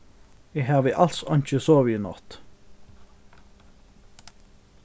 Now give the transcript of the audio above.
eg havi als einki sovið í nátt